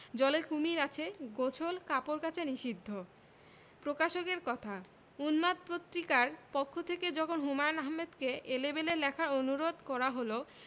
জলে কুমীর আছে গোসল কাপড় কাচা নিষিদ্ধ প্রকাশকের কথা উন্মাদ পত্রিকার পক্ষ থেকে যখন হুমায়ন আহমেদকে এলেবেলে লেখার অনুরোধে করা হল